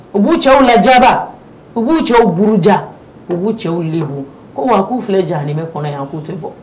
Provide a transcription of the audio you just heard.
U b'u cɛw laja u b'u cɛw buruja u b'u cɛw lelendu ko wa k'u filɛ janani bɛ kɔnɔ yan k'u to tɛ bɔ